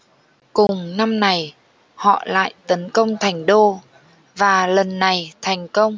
cùng năm này họ lại tấn công thành đô và lần này thành công